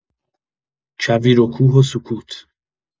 کویر و کوه و سکوت